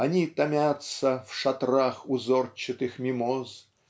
Они томятся В шатрах узорчатых мимоз